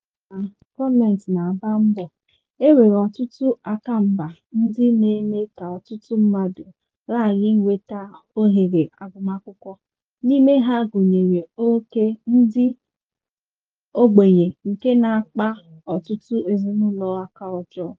N'agbanyeghị na gọọmenti na-agba mbọ, e nwere ọtụtụ akamgba ndị na-eme ka ọtụtụ mmadụ ghara inweta ohere agụmakwụkwọ, n'ime ha gụnyere oké ịda ogbenye nke na-akpa ọtụtụ ezinaụlọ aka ọjọọ.